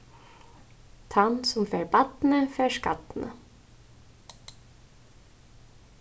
tann sum fær barnið fær skarnið